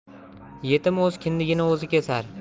yetim o'z kindigin o'zi kesar